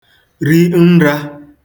ri nra